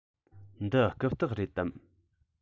འདི རྐུབ སྟེགས རེད དམ